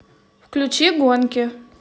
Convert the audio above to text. включи гонки